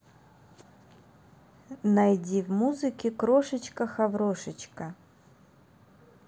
найди в музыке крошечка хаврошечка